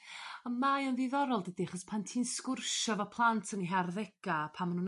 On' mae o'n ddiddorol dydi? Chos pan ti'n sgwrsio 'fo plant yn ei harddega pan ma' nhw'n